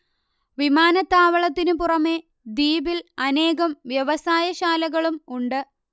വിമാനത്താവളത്തിനു പുറമേ ദ്വീപിൽ അനേകം വ്യവസായ ശാലകളും ഉണ്ട്